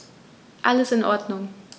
Alles in Ordnung.